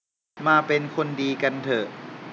มาเป็นคนดีกันเถอะ